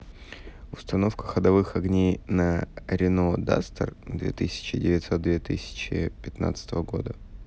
установка ходовых огней на renault duster две тысячи девятьсот две тысячи пятнадцатого года